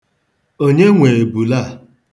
Onye nwe ebule a?